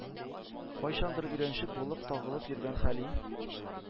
Кайчандыр өйрәнчек булып тагылып йөргән Хәлим